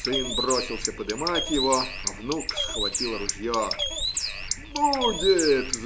Сын бросился подымать его, а внук схватил ружье. - Будет!